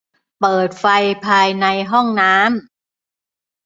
เปิดไฟภายในห้องน้ำ